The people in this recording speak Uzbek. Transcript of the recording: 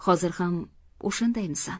hozir ham o'shandaymisan